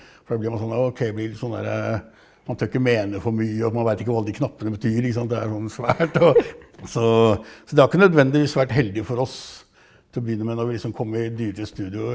for da blir man sånn ok blir litt sånn derre man tør ikke mene for mye og man veit ikke hva de knappene betyr ikke sant, det er sånn svært og så så det har ikke nødvendigvis vært heldig for oss til å begynne med når vi liksom kom i dyre studioer.